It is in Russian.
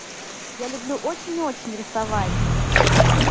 я люблю очень очень рисовать